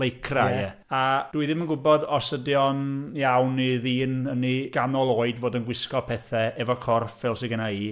Lycra, ia... ie. A dwi ddim yn gwybod os ydy o'n iawn i ddyn yn ei ganol oed fod yn gwisgo pethe efo corff fel sy gynna i.